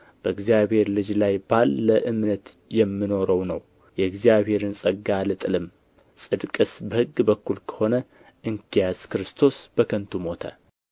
በእግዚአብሔር ልጅ ላይ ባለ እምነት የምኖረው ነው የእግዚአብሔርን ጸጋ አልጥልም ጽድቅስ በሕግ በኩል ከሆነ እንኪያስ ክርስቶስ በከንቱ ሞተ